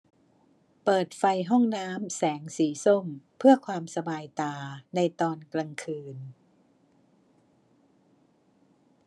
เปิดไฟห้องน้ำแสงสีส้มเพื่อความสบายตาในตอนกลางคืน